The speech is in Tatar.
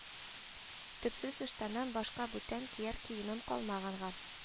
- төпсез ыштаннан башка бүтән кияр киемем калмаганга